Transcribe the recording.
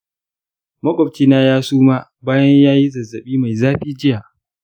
makwabcina ya suma bayan ya yi zazzabi mai zafi jiya.